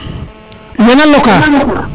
wena loka